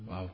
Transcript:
waaw